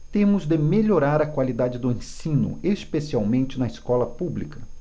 temos de melhorar a qualidade do ensino especialmente na escola pública